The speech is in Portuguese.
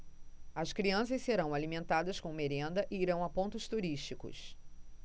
as crianças serão alimentadas com merenda e irão a pontos turísticos